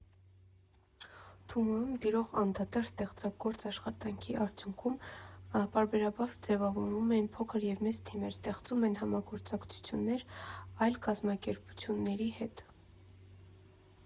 Թումոյում տիրող անդադար ստեղծագործ աշխատանքի արդյունքում պարբերաբար ձևավորվում են փոքր և մեծ թիմեր, ստեղծվում են համագործակցություններ այլ կազմակերպությունների հետ։